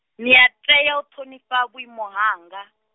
ni a tea u ṱhonifha vhuimo hanga.